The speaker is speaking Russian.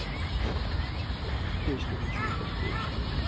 песня почему так больно